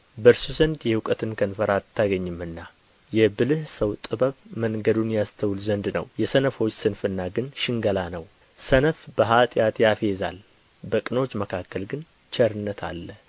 በእርሱ ዘንድ የእውቀትን ከንፈር አታገኝምና የብልህ ሰው ጥበብ መንገዱን ያስተውል ዘንድ ነው የሰነፎች ስንፍና ግን ሽንገላ ነው ሰነፉ በኃጢአት ያፌዛል በቅኖች መካከል ግን ቸርነት አለች